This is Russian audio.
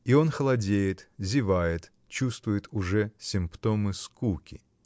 И он холодеет, зевает, чувствует уже симптомы скуки.